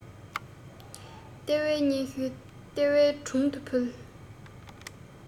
ལྟེ བའི སྙན ཞུ ལྟེ བའི དྲུང དུ ཕུལ